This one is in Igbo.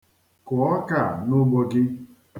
Kụọ ọka a n'ugbo gị!